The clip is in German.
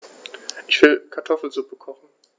Ich will Kartoffelsuppe kochen.